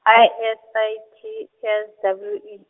I S I T S W E.